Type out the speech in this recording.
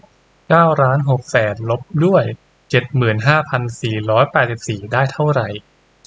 เก้าล้านหกแสนลบด้วยเจ็ดหมื่นห้าพันสี่ร้อยแปดสิบสี่ได้เท่าไร